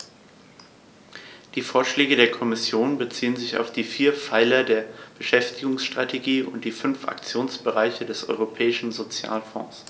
Die Vorschläge der Kommission beziehen sich auf die vier Pfeiler der Beschäftigungsstrategie und die fünf Aktionsbereiche des Europäischen Sozialfonds.